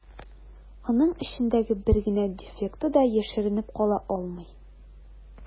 Аның эчендәге бер генә дефекты да яшеренеп кала алмый.